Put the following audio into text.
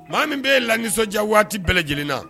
Maa min b'e lanisɔndiya waati bɛɛ lajɛlen na